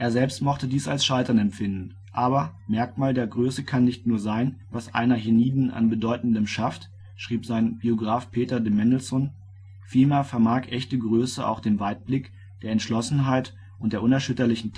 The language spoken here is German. selbst mochte dies als Scheitern empfinden. Aber: " Merkmal der Größe kann nicht nur sein, was einer hienieden an Bedeutendem schafft ", schrieb sein Biograf Peter de Mendelssohn. " Vielmehr vermag echte Größe auch dem Weitblick, der Entschlossenheit und der unerschütterlichen Tatkraft